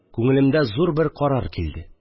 Күңелемдә зур бер карар килде